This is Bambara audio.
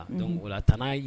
Donla taa n'a ye